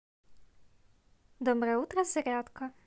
доброе утро зарядка